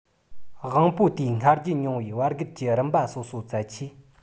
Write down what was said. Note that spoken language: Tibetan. དབང པོ དེའི སྔར བརྒྱུད མྱོང བའི བར བརྒལ གྱི རིམ པ སོ སོ བཙལ ཆེད